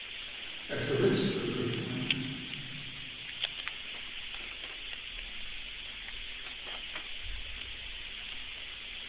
ert tú vilstur lítli mín